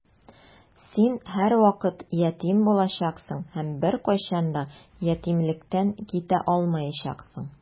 Син һәрвакыт ятим булачаксың һәм беркайчан да ятимлектән китә алмаячаксың.